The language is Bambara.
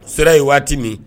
Sira yen waati min